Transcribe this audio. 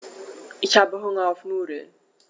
Ich habe Hunger auf Nudeln.